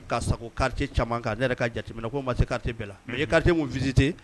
Ka sago quartier caman kan ne yɛrɛ ka jateminɛ ku ma se quartier bɛɛ la. U ye quartier mun visite